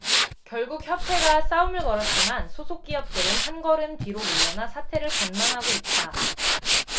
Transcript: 결국 협회가 싸움을 걸었지만 소속기업들은 한걸음 뒤로 물러나 사태를 관망하고 있다